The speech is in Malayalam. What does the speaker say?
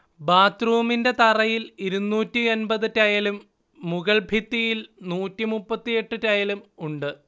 ബാത്ത്റൂമിന്റെ തറയിൽ ഇരുന്നൂറ്റി എണ്പതു ടൈലും മുകൾഭിത്തിയിൽ നൂറ്റി മുപ്പത്തിയെട്ട് ടൈലും ഉണ്ട്